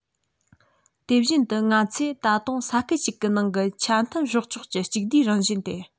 དེ བཞིན དུ ང ཚོས ད དུང ས ཁུལ གཅིག གི ནང གི ཆ མཐུན སྲོག ཆགས ཀྱི གཅིག བསྡུས རང བཞིན ཏེ